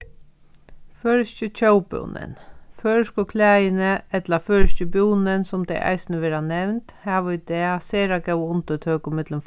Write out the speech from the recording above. føroyski tjóðbúnin føroysku klæðini ella føroyski búnin sum tey eisini verða nevnd hava í dag sera góða undirtøku millum